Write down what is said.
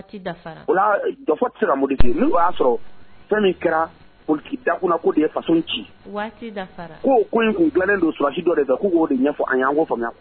'a sɔrɔ fɛn min kɛra da ko de ye faso ci ko dilanen don sulasi dɔ de k' k'o ɲɛfɔ